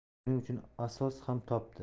buning uchun asos ham topdi